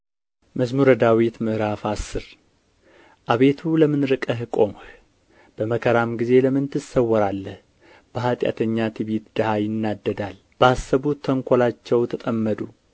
መዝሙር ምዕራፍ አስር አቤቱ ለምን ርቀህ ቆምህ በመከራም ጊዜ ለምን ትሰወራለህ በኃጢአተኛ ትዕቢት ድሀ ይናደዳል ባሰቡት ተንኰላቸው ተጠመዱ